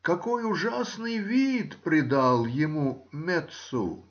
какой ужасный вид придал ему Метсу!.